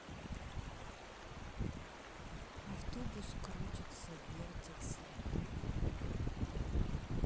автобус крутится вертится